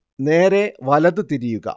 നേരേ വലത് തിരിയുക